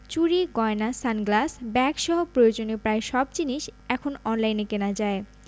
চুড়ি গয়না সানগ্লাস ব্যাগসহ প্রয়োজনীয় প্রায় সব জিনিস এখন অনলাইনে কেনা যায়